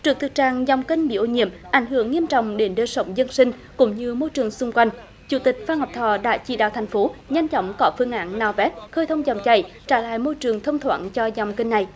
trước thực trạng dòng kênh bị ô nhiễm ảnh hưởng nghiêm trọng đến đời sống dân sinh cũng như môi trường xung quanh chủ tịch phan ngọc thọ đã chỉ đạo thành phố nhanh chóng có phương án nạo vét khơi thông dòng chảy trả lại môi trường thông thoáng cho dòng kênh này